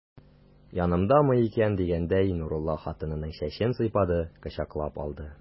Янымдамы икән дигәндәй, Нурулла хатынының чәчен сыйпады, кочаклап алды.